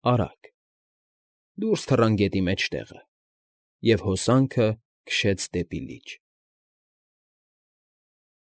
Արագ, դուրս թռան գետի մեջտեղը, և հոսանքը քշեց դրպի լիճ։